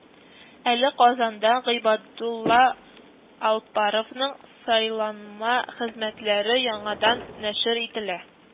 Әле Казанда Гыйбадулла Алпаровның сайланма хезмәтләре яңадан нәшер ителә